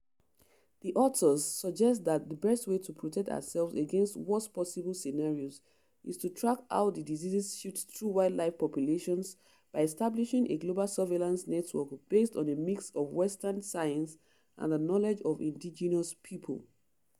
“The authors suggest that the best way to protect ourselves against worst possible scenarios is to track how the diseases shift through wildlife populations by establishing a global surveillance network based on a mix of Western science and the knowledge of indigenous people.”